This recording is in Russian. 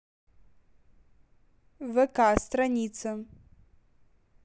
вк страница